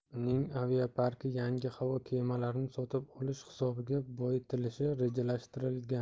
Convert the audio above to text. uning aviaparki yangi havo kemalarini sotib olish hisobiga boyitilishi rejalashtirilgan